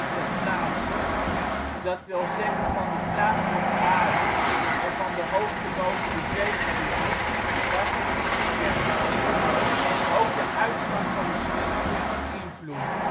ter plaatse – dat wil zeggen van de plaats op aarde en van de hoogte boven de zeespiegel – was nog niet bekend. Ook de uitslag van de slinger is van invloed